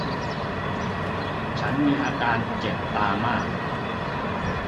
ฉันมีอาการเจ็บตามาก